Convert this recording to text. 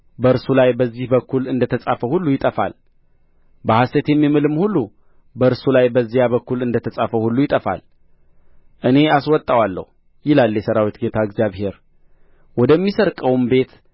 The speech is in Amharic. በእርሱ ላይ በዚህ በኩል እንደ ተጻፈው ሁሉ ይጠፋል በሐሰት የሚምልም ሁሉ በእርሱ ላይ በዚያ በኩል እንደ ተጻፈው ሁሉ ይጠፋል እኔ አስወጣዋለሁ ይላል የሠራዊት ጌታ እግዚአብሔር ወደ ሚሰርቀውም ቤት